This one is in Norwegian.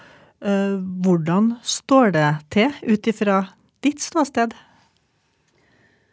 hvordan står det til ut ifra ditt ståsted?